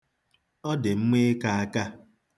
Ọ dị mma ịka aka.